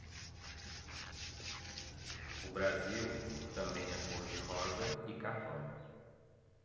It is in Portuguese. o brasil também é cor de rosa e carvão